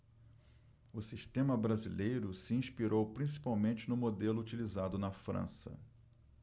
o sistema brasileiro se inspirou principalmente no modelo utilizado na frança